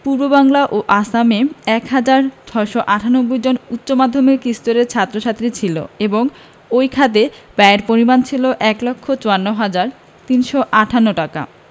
পূর্ববাংলা ও আসামে ১ হাজার ৬৯৮ জন উচ্চ মাধ্যমিক স্তরের ছাত্র ছাত্রী ছিল এবং ওই খাতে ব্যয়ের পরিমাণ ছিল ১ লক্ষ ৫৪ হাজার ৩৫৮ টাকা